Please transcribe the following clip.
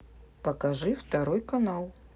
покажи второй канал